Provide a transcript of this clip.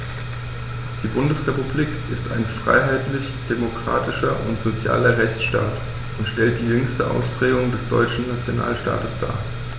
Die Bundesrepublik ist ein freiheitlich-demokratischer und sozialer Rechtsstaat und stellt die jüngste Ausprägung des deutschen Nationalstaates dar.